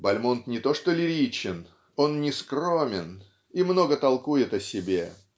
Бальмонт не то что лиричен - он нескромен и много толкует о себе.